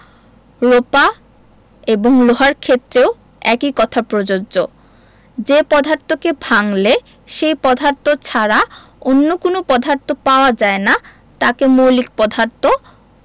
রুপা এবং লোহার ক্ষেত্রেও একই কথা প্রযোজ্য যে পদার্থকে ভাঙলে সেই পদার্থ ছাড়া অন্য কোনো পদার্থ পাওয়া যায় না তাকে মৌলিক পদার্থ